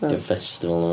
Rhyw festival neu rywbath?